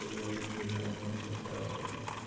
bo'lgandek jilmayib nur sochardi